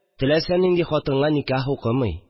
Теләсә нинди хатынга никах укымый